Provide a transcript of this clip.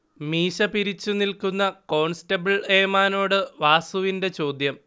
മീശ പിരിച്ചു നിൽക്കുന്ന കോൺസ്റ്റബിൾ ഏമാനോട് വാസുവിന്റെ ചോദ്യം